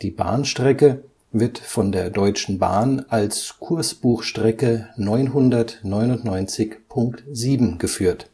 Bahnstrecke wird von der Deutschen Bahn als Kursbuchstrecke 999.7 geführt